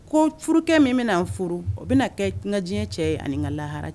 Ko furukɛ min bɛna furu o bɛ kɛ ka diɲɛ cɛ ye ani ka lahara cɛ